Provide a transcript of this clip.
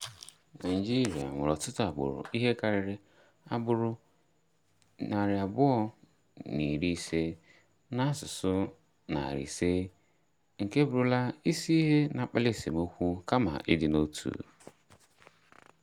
Naịjirịa nwere ọtụtụ agbụrụ- ihe karịrị agbụrụ 250 na asụsụ 500 - nke bụrụla isi ihe na-akpalị esemokwu kama ịdị n'otu.